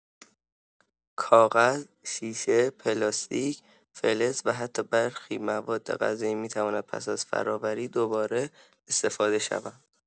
کاغذ، شیشه، پلاستیک، فلز و حتی برخی موادغذایی می‌توانند پس از فرآوری دوباره استفاده شوند.